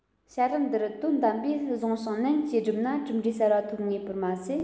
བྱ རིམ འདིར དོན དམ པས བཟུང ཞིང ནན གྱིས བསྒྲུབ ན གྲུབ འབྲས གསར བ ཐོབ ངེས པར མ ཟད